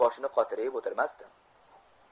boshini qotirib o'tirmasdi